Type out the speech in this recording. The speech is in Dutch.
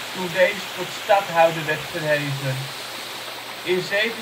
toen deze tot stadhouder werd verheven. In 1795